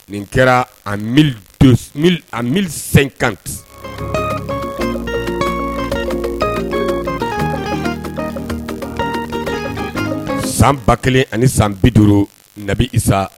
Nin kɛra a mi sen kan san ba kelen ani san bi duuru nabi i sa